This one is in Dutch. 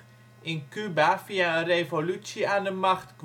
Cuba via een revolutie aan de macht kwam